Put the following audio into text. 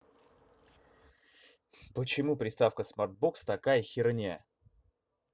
почему приставка смарт бокс такая херня